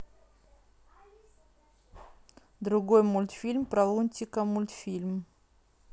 другой мультфильм про лунтика мультфильм